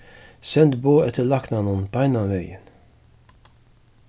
send boð eftir læknanum beinanvegin